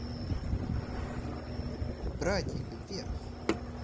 братик вверх